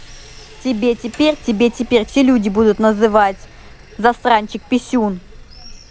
тебе теперь тебе теперь все люди будут называть засранчик писюн